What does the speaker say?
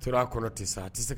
A tora a kɔrɔ tɛ tɛ